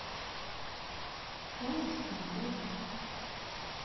украинская народная